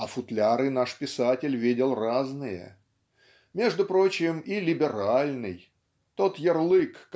а футляры наш писатель видел разные между прочим и либеральный тот ярлык